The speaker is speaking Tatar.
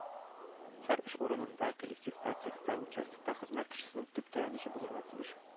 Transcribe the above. Һәр эш урынында, коллективта, цехта, участокта хезмәт кешесенең төп таянычы булырга тиеш